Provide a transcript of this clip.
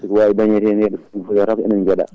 ko wawi dañede hen kadi il faut yataw ko enen jeeɗa